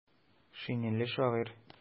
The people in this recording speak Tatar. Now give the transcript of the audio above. Шинельле шагыйрь.